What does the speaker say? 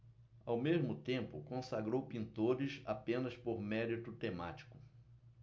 ao mesmo tempo consagrou pintores apenas por mérito temático